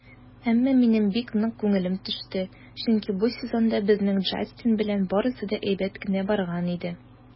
Әмма минем бик нык күңелем төште, чөнки бу сезонда безнең Джастин белән барысы да әйбәт кенә барган иде.